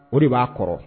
O de b'a kɔrɔ